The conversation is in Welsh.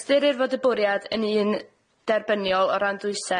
Ystyrir fod y bwriad yn un derbyniol o ran dwysedd ac